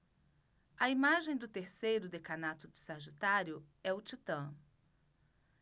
a imagem do terceiro decanato de sagitário é o titã